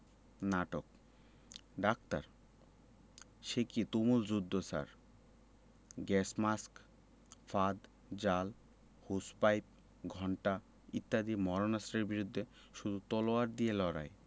নাটক ডাক্তার সেকি তুমুল যুদ্ধ স্যার গ্যাস মাস্ক ফাঁদ জাল হোস পাইপ ঘণ্টা ইত্যাদি মারণাস্ত্রের বিরুদ্ধে শুধু তলোয়ার দিয়ে লড়াই